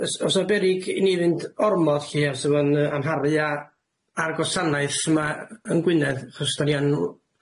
Ys- o's 'na beryg i ni fynd ormod lly os 'sa fo'n yy amharu a'r gwasanaeth yma yn Gwynedd 'chos da ni yn